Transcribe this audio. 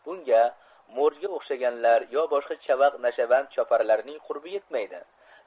bunga morjga o'xshaganlar boshka chavaq nasha vand choparlarning qurbi yetmaydi